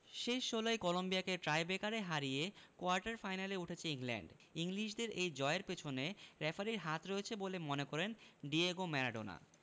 শেষ ষোলোয় কলম্বিয়াকে টাইব্রেকারে হারিয়ে কোয়ার্টার ফাইনালে উঠেছে ইংল্যান্ড ইংলিশদের এই জয়ের পেছনে রেফারির হাত রয়েছে বলে মনে করেন ডিয়েগো ম্যারাডোনা